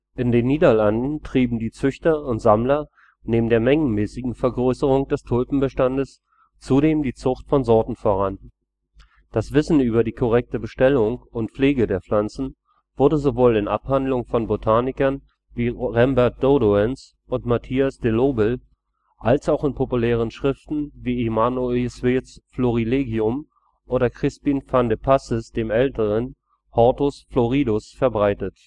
In den Niederlanden trieben die Züchter und Sammler neben der mengenmäßigen Vergrößerung des Tulpenbestandes zudem die Zucht von Sorten voran. Das Wissen über die korrekte Bestellung und Pflege der Pflanzen wurde sowohl in Abhandlungen von Botanikern wie Rembert Dodoens und Matthias de L’ Obel als auch in populären Schriften wie Emmanuel Sweerts Florilegium oder Crispijn van de Passes d.Ä. Hortus Floridus verbreitet